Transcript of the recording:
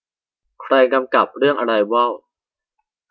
ใครกำกับเรื่องอะไรวอล